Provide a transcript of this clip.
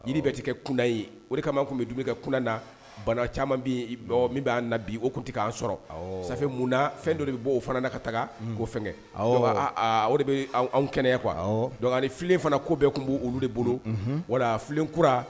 Yiri bɛ tigɛ kɛ kunda ye o de kama tun bɛ kɛ kun na bana caman bɛ min b'a na bi o kun tɛ k'an sɔrɔ sanfɛ mun na fɛn dɔ de bɛ bɔ o fana na ka taga ko fɛnkɛ de bɛ anw kɛnɛ qu dɔn ni filen fana ko bɛɛ tun b' olu de bolo wala filenkura